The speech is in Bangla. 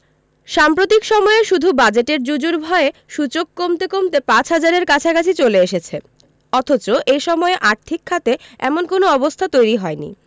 সাম্প্রতিক সময়ে শুধু বাজেটের জুজুর ভয়ে সূচক কমতে কমতে ৫ হাজারের কাছাকাছি চলে এসেছে অথচ এ সময়ে আর্থিক খাতে এমন কোনো অবস্থা তৈরি হয়নি